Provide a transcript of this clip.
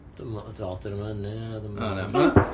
Dwi'm yn-